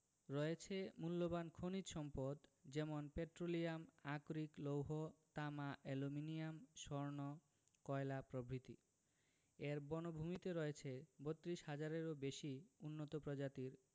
রয়েছে মুল্যবান খনিজ সম্পদ যেমন পেট্রোলিয়াম আকরিক লৌহ তামা অ্যালুমিনিয়াম স্বর্ণ কয়লা প্রভৃতি এর বনভূমিতে রয়েছে ৩২ হাজারেরও বেশি উন্নত প্রজাতির